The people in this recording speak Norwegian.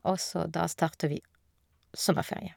Og så da starter vi sommerferie.